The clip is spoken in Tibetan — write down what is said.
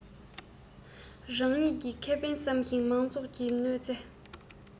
རང ཉིད ཁེ ཕན བསམ ཞིང མང ཚོགས ཀྱི གནོད ཚེ